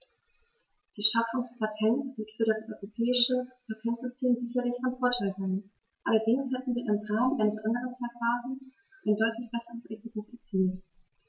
Die Schaffung des Patents wird für das europäische Patentsystem sicherlich von Vorteil sein, allerdings hätten wir im Rahmen eines anderen Verfahrens ein deutlich besseres Ergebnis erzielt.